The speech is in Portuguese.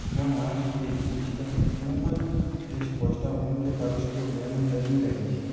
não acho que exista uma resposta única para os problemas das mulheres